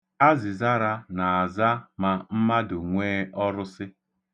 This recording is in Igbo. Azizara na-aza ma mmadụ nwee ọrụsị.